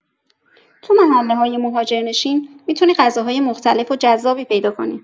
تو محله‌های مهاجرنشین می‌تونی غذاهای مختلف و جذابی پیدا کنی.